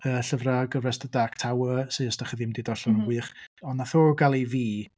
Yy llyfrau y gyfres The Dark Tower sy, os dach chi ddim 'di ddarlan o.. m-hm. ...yn wych, ond wnaeth o gael i fi...